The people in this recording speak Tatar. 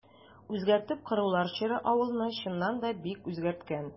Үзгәртеп корулар чоры авылны, чыннан да, бик үзгәрткән.